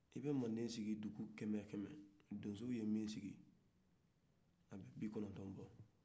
i bɛ manden sigi dugu kɛmɛ o kɛmɛ donsow ye min sigi a bɛ bikɔnɔtɔn bɔ